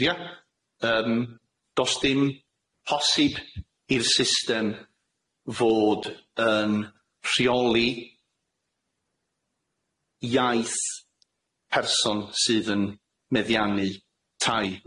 Ia, yym do's dim posib i'r system fod yn rheoli iaith person sydd yn meddiannu tai